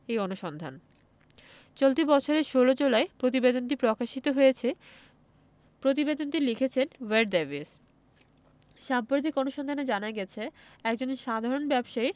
এই অনুসন্ধান চলতি বছরের ১৬ জুলাই প্রতিবেদনটি প্রকাশিত হয়েছে প্রতিবেদনটি লিখেছেন ওয়্যার ডেভিস সাম্প্রতিক অনুসন্ধানে জানা গেছে একজন সাধারণ ব্যবসায়ীর